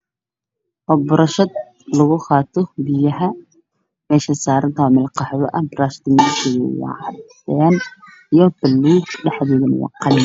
Halkaan waxaa ka muuqdo labo buraashada biyaha lagu qaato mid waa buluug iyo dahabi midna waa cadaan iyo dahabi labadoodaba waxaa ku xiran xarig qaxwi ah